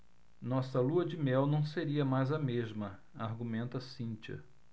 nossa lua-de-mel não seria mais a mesma argumenta cíntia